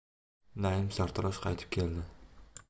naim sartarosh qaytib keldi